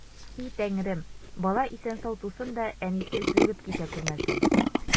И Тәңрем, бала исән-сау тусын да, әнисе өзлегеп китә күрмәсен!